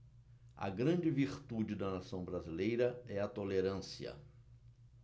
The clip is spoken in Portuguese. a grande virtude da nação brasileira é a tolerância